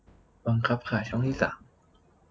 บังคับขายช่องที่สาม